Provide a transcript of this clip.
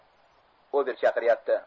ober chaqiryapti